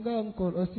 N' kɔlɔsi